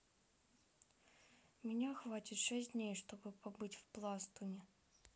меня хватит шесть дней чтобы побыть в пластуне